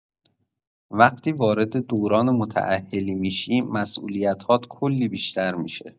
وقتی وارد دوران متاهلی می‌شی، مسئولیت‌هات کلی بیشتر می‌شه.